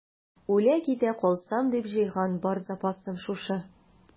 Үлә-китә калсам дип җыйган бар запасым шушы.